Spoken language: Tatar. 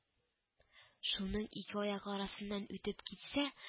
Шуның ике аяк арасыннан үтеп китсә